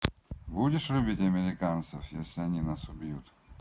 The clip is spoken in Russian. будешь любить американцев если они нас убьют